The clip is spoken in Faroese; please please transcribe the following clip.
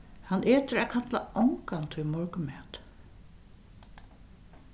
hann etur at kalla ongantíð morgunmat